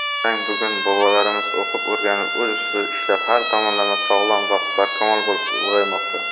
qarang bugun bolalarimiz o'qib o'rganib o'z ustida ishlab har tomonlama sog'lom va barkamol bo'lib ulg'aymoqda